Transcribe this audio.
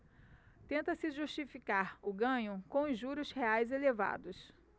tenta-se justificar o ganho com os juros reais elevados